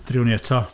Driwn ni eto.